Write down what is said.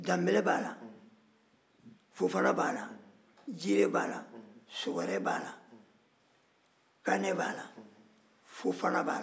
danbɛlɛ b'a la fofana b'a la jire b'a la sogore b'a la kanɛ b'a